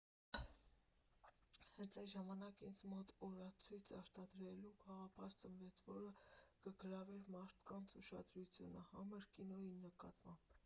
Հենց այդ ժամանակ ինձ մոտ օրացույց արտադրելու գաղափար ծնվեց, որը կգրավեր մարդկանց ուշադրությունը համր կինոյի նկատմամբ։